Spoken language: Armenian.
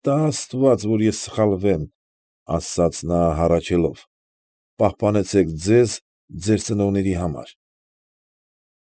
Տա աստված, որ ես սխալվեմ, ֊ ասաց նա հառաչելով, ֊ պահպանեցեք ձեզ ձեր ծնողների համար։